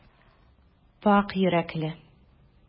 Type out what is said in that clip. Пакь йөрәкле.